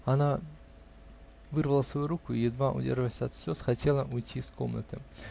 Она вырвала свою руку и, едва удерживаясь от слез, хотела уйти из комнаты.